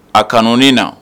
A kan na